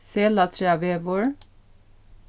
selatraðvegur